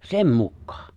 sen mukaan